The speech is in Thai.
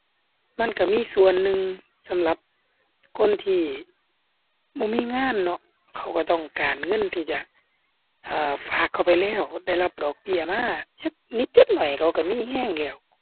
มันก็มีส่วนหนึ่งสำหรับคนที่บ่มีงานเนาะ เขาก็ต้องการเงินที่จะ อ่า ฝากเข้าไปแล้วได้รับดอกเบี้ยมาจักนิดจักหน่อยเขาก็มีก็แล้ว